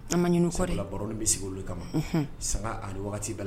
Tan ɲinifɔ de la barolen bɛ sigi olu kama saga ani waati b' la